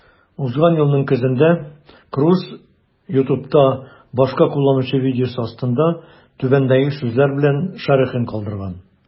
Узган елның көзендә Круз YouTube'та башка кулланучы видеосы астында түбәндәге сүзләр белән шәрехен калдырган: